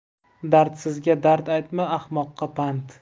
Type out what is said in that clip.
dardsizga dard aytma ahmoqqa pand